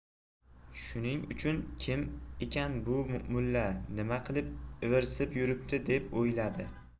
shuning uchun kim ekan bu mulla nima qilib ivirsib yuribdi deb o'yladi